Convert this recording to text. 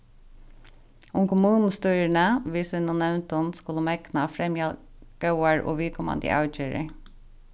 um kommunustýrini við sínum nevndum skulu megna at fremja góðar og viðkomandi avgerðir